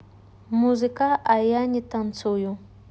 музыка а я не танцую